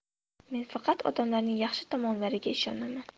men faqat odamlarning yaxshi tomonlariga ishonaman